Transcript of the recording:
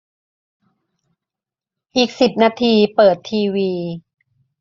อีกสิบนาทีเปิดทีวี